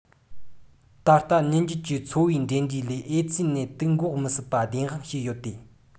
ད ལྟ ཉིན རྒྱུན གྱི འཚོ བའི འབྲེལ འདྲིས ལས ཨེ ཙི ནད དུག འགོ མི སྲིད པ བདེན དཔང བྱས ཡོད དེ